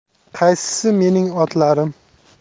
qaysisi mening otlarim